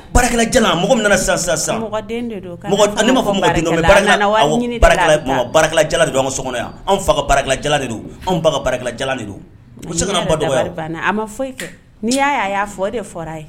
Barakɛla jalan mɔgɔ min nana sisan sisan sisan mɔgɔ den de do kan'a f'a ma ko baarakɛla a nana wari ɲini de la a be taa baarakɛla jalan de don anw ŋa so kɔnɔ yan anw fa ka baarakɛla jalan de don anw ba ka baarakɛla jalan de don o be se kana anw ba dɔgɔya o ne yɛrɛ dabari banna a ma foyi kɛ n'i y'a ye a y'a fɔ o de fɔr'a ye